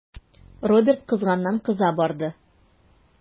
Роберт кызганнан-кыза барды.